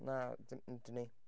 Na, dim 'da ni.